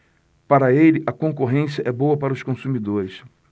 para ele a concorrência é boa para os consumidores